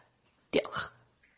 Diolch.